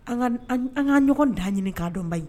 An ka an an ka ɲɔgɔn dan ɲini k'a dɔn bani.